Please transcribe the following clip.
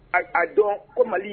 A a dɔn ko Mali